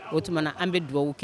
O tuma an bɛ dugawwababu kɛ